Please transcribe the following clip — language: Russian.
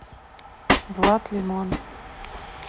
влад лимон